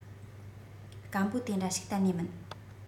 སྐམ པོ དེ འདྲ ཞིག གཏན ནས མིན